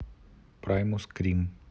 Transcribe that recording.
праймус крим